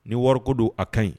Ni wari ko don a ka ɲi